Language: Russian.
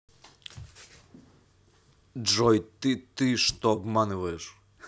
джой ты ты что обманываешь